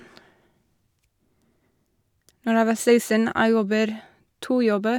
Når jeg var seksten, jeg jobber to jobber.